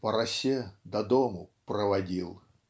По росе до дому проводил.